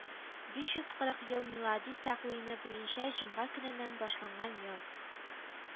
Биш йөз кырык ел милади тәкъвиме буенча җомга көненнән башланган ел